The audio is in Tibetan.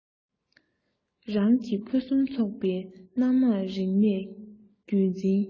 རང གི ཕུན སུམ ཚོགས པའི སྣ མང རིག གནས རྒྱུན འཛིན